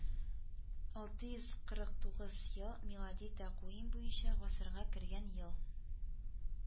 Алты йөз кырык тугыз ел милади тәкъвим буенча гасырга кергән ел